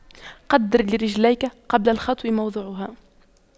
قَدِّرْ لِرِجْلِكَ قبل الخطو موضعها